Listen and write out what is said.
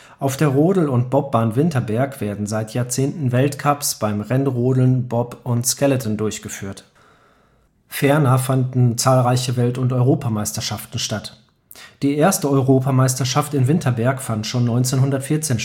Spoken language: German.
Auf der Rodel - und Bobbahn Winterberg werden seit Jahrzehnten Weltcups beim Rennrodeln, Bob und Skeleton durchgeführt; ferner fanden zahlreiche Welt - und Europameisterschaften statt. Die erste Europameisterschaft in Winterberg fand schon 1914